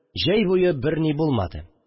Җәй буе берни булмады